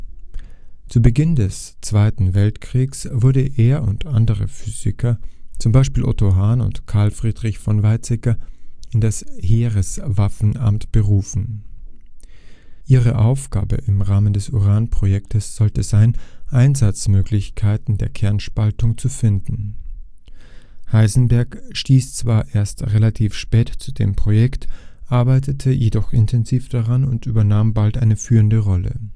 Zu Beginn des Zweiten Weltkriegs wurden er und andere Physiker (zum Beispiel Otto Hahn und Carl Friedrich von Weizsäcker) in das Heereswaffenamt berufen. Ihre Aufgabe im Rahmen des Uranprojektes sollte sein, Einsatzmöglichkeiten der Kernspaltung zu finden. Heisenberg stieß zwar erst relativ spät zu dem Projekt, arbeitete jedoch intensiv daran und übernahm bald eine führende Rolle